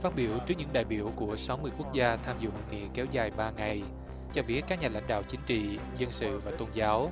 phát biểu trước những đại biểu của sáu mươi quốc gia tham dự sự kiện kéo dài ba ngày cho biết các nhà lãnh đạo chính trị dân sự và tôn giáo